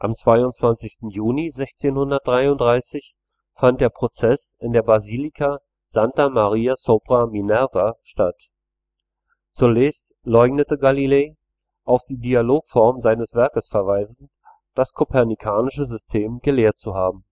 22. Juni 1633 fand der Prozess in der Basilika Santa Maria sopra Minerva statt. Zunächst leugnete Galilei, auf die Dialogform seines Werkes verweisend, das kopernikanische System gelehrt zu haben